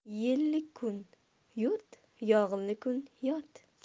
yelli kun yo'rt yog'inli kun yot